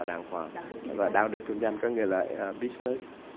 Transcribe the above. đàng hoàng và đạo đức kinh doanh có nghĩa là bít nớt